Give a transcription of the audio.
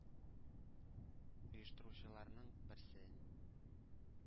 Оештыручыларның берсе: